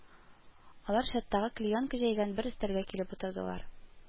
Алар чаттагы клеенка җәйгән бер өстәлгә килеп утырдылар